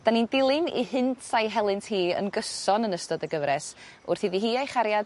'Dan ni'n dilyn ei hynt a'i helynt hi yn gyson yn ystod y gyfres wrth iddi hi a'i chariad...